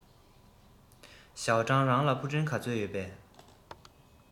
ཞའོ ཀྲང རང ལ ཕུ འདྲེན ག ཚོད ཡོད